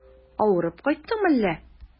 Авырып кайттыңмы әллә?